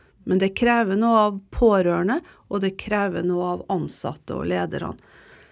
men det krever noe av pårørende, og det krever noe av ansatte og lederne.